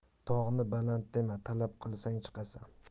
tog'ni baland dema talab qilsang chiqasan